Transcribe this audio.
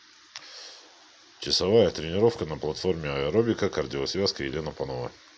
часовая тренировка на платформе аэробика кардио связка елена панова